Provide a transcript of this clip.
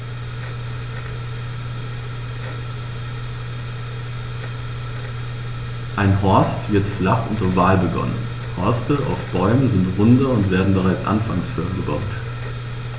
Ein Horst wird flach und oval begonnen, Horste auf Bäumen sind runder und werden bereits anfangs höher gebaut.